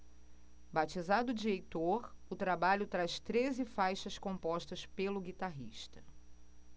batizado de heitor o trabalho traz treze faixas compostas pelo guitarrista